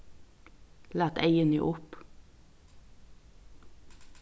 lat eyguni upp